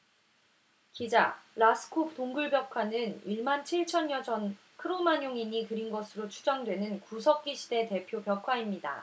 기자 라스코 동굴벽화는 일 만 칠 천여 년 전 크로마뇽인이 그린 것으로 추정되는 구석기시대 대표 벽화입니다